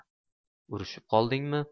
urishib qoldingmi